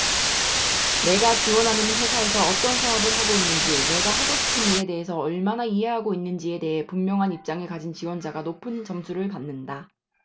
내가 지원하는 회사에서 어떤 사업을 하고 있는지 내가 하고 싶은 일에 대하여 얼마나 이해하고 있는지에 대해 분명한 입장을 가진 지원자가 높은 점수를 받는다